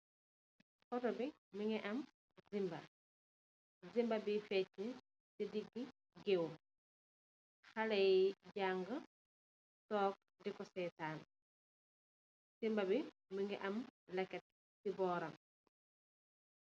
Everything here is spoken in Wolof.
Foto bi mungi am zimba, zimba bii fecci ci deggi gèw bi, xaleh yii janga tóóg di ko sèètan, zimba bi mu ngi am leket ci boram.